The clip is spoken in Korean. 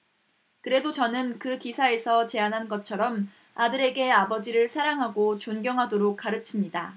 그래도 저는 그 기사에서 제안한 것처럼 아들에게 아버지를 사랑하고 존경하도록 가르칩니다